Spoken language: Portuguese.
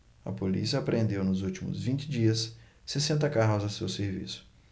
a polícia apreendeu nos últimos vinte dias sessenta carros a seu serviço